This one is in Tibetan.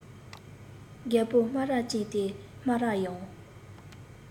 རྒད པོ སྨ ར ཅན དེས སྨ ར ཡང